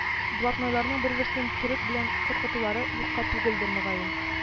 Блатнойларның бер-берсен төрек белән куркытулары юкка түгелдер, мөгаен